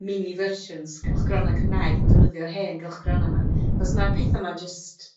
mini versions cylchgrona Cymraeg yn defnyddio'r hen gylchgrona 'ma, 'chos ma'r petha 'ma jyst